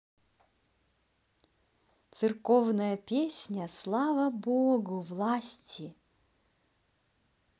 церковная песня слава богу власти